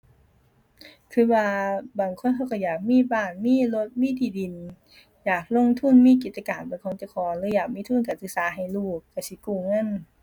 คือว่าบางคนเขาก็อยากมีบ้าน มีรถ มีที่ดิน อยากลงทุนมีกิจการเป็นของเจ้าของหรืออยากมีทุนการศึกษาให้ลูก ก็สิกู้เงิน